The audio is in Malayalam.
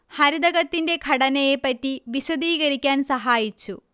ഹരിതകത്തിന്റെ ഘടനയെ പറ്റി വിശദീകരിക്കാൻ സഹായിച്ചു